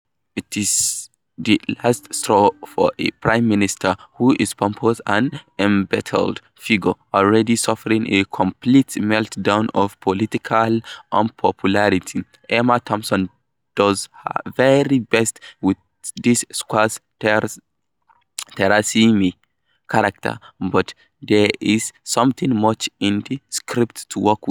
It's the last straw for a prime minister who is a pompous and embattled figure, already suffering a complete meltdown of political unpopularity: Emma Thompson does her very best with this quasi-Teresa-May character but there's nothing much in the script to work with.